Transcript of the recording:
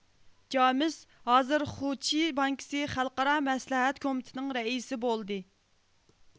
جامېس ھازىر خۇچىي بانكىسى خەلقئارا مەسلىھەت كومىتېتىنىڭ رەئىسى بولدى